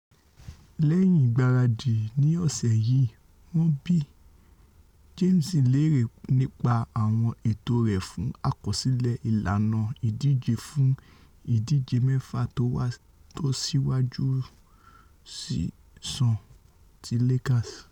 Lẹ́yìn ìgbaradì níbẹ̀rẹ̀ ọ̀sẹ̀ yìí, wọ́n bí James léèrè nípa àwọn ètò rẹ̀ fún àkọsílẹ̀ ìlànà ìdíje fún ìdíje mẹ́fà tósíwájú sáà ti Lakers.